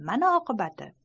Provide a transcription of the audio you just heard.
mana oqibati